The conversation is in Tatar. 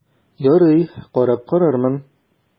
Ярый, карап карармын...